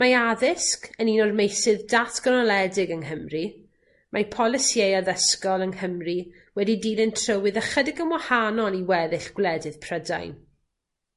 Mae addysg yn un o'r meysydd datganoledig yng Nghymru mae polisïau addysgol yng Nghymru wedi dilyn trywydd ychydig yn wahanol i weddill gwledydd Prydain.